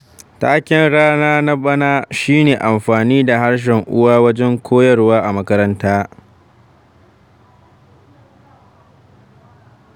Taken Ranar na bana shi ne amfani da harshen uwa wajen koyarwa a makaranta.